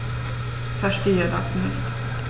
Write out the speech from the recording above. Verstehe das nicht.